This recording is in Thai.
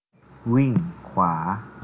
วิ่่งขวา